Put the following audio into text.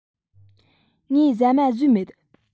ངས ཟ མ ཟོས མེད